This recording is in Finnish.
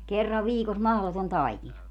kerran viikossa mahdoton taikina